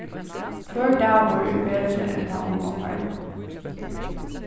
hvør dagur er betri enn tann undanfarni